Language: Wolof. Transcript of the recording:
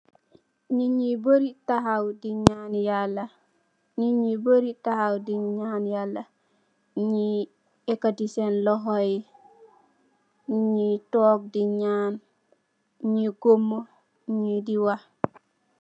Nit ñu bari, taxaw, di ñan Yaala. Ñii yekati, seen loxo yi, ñi toog di ñaan Yaala, ñii gëmu, ñii di wax.